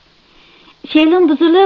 fe'lim buzilib